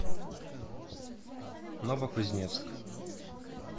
новокузнецк